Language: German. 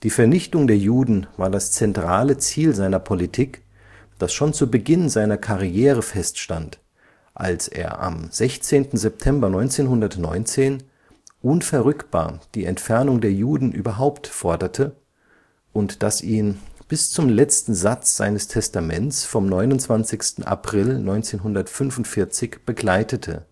Vernichtung der Juden war das zentrale Ziel seiner Politik, das schon zu Beginn seiner Karriere feststand, als er am 16. September 1919 ‚ unverrückbar die Entfernung der Juden überhaupt ‘forderte, und das ihn bis zum letzten Satz seines Testaments vom 29. April 1945 begleitete